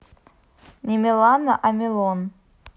не милана амилон